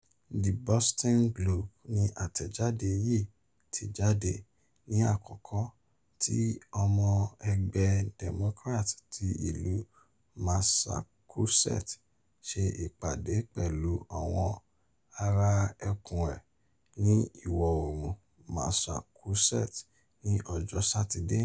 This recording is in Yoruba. The Boston Globe ni àtẹ̀jáde yìí ti jáde ní àkókò tí ọmọ ẹgbẹ́ Democrat ti ìlú Massachusetts ṣe ìpàdé pẹ̀lú àwọn ará ẹkùn ẹ̀ ní iwọ̀-oòrùn Massachusetts ní ọjọ́ Sátidé.